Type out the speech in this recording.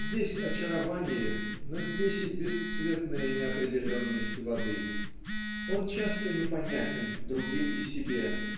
здесь - очарование, но здесь и бесцветная неопределенность воды. Он часто непонятен другим и себе